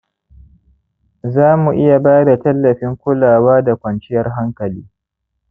za mu iya bada tallafin kulawa da kwanciyar hankali.